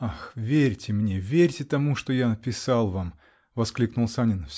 -- Ах, верьте мне, верьте тому, что я писал вам, -- воскликнул Санин